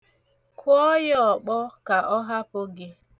Kụọ ya ọkpọ ka ọ hapụ gị.